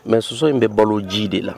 Mɛ soso in bɛ balo ji de la